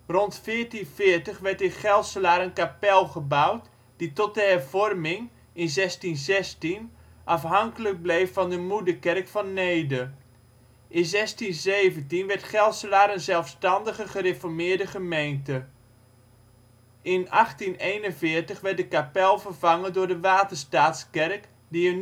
Rond 1440 werd in Gelselaar een kapel gebouwd, die tot de hervorming (1616) afhankelijk bleef van de moederkerk van Neede. In 1617 werd Gelselaar een zelfstandige gereformeerde gemeente. In 1841 werd de kapel vervangen door de waterstaatskerk, die